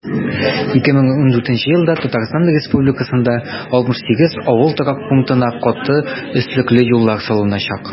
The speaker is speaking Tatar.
2014 елда татарстан республикасында 68 авыл торак пунктына каты өслекле юллар салыначак.